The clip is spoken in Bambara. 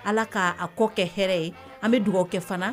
Ala k' a kɔ kɛ hɛrɛ ye an bɛ dugawukɛ fana